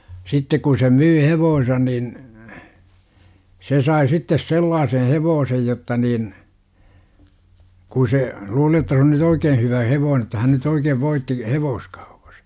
sitten kun se myi hevosensa niin se sai sitten sellaisen hevosen jotta niin kun se luuli jotta se on nyt oikein hyvä hevonen jotta hän nyt oikein voitti hevoskaupassa